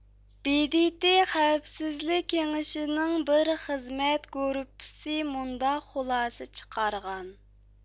بې دې تې خەۋپسىزلىك كېڭىشىنىڭ بىر خىزمەت گۇرۇپپىسى مۇنداق خۇلاسە چىقارغان